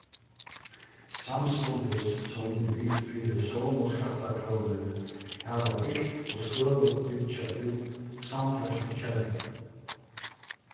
samstundis sum vit fyri somu skattakrónur hava bygt og støðugt byggja út samferðslukervið